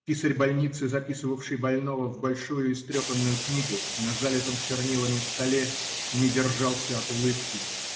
Писарь больницы, записывавший больного в большую истрепанную книгу на залитом чернилами столе, не держался от улыбки.